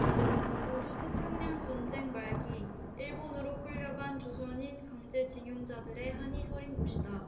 모두 태평양전쟁 말기 일본으로 끌려간 조선인 강제징용자들의 한이 서린 곳이다